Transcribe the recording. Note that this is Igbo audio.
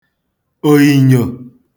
òìnyò